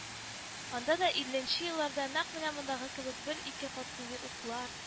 Анда да илленче елларда нәкъ менә мондагы кебек бер-ике катлы йортлар